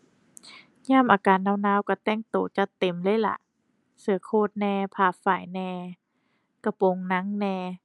ยามอากาศหนาวหนาวก็แต่งตัวจัดเต็มเลยล่ะ เสื้อโคตแหน่ ผ้าฝ้ายแหน่ กระโปรงหนังแหน่